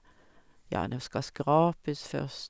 Ja, det skal skrapes først.